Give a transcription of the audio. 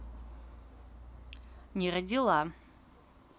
не родила